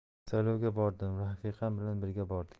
saylovga bordim rafiqam bilan birga bordik